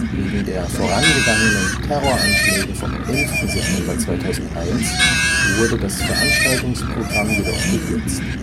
Wegen der vorangegangenen Terroranschläge vom 11. September 2001 wurde das Veranstaltungsprogramm jedoch gekürzt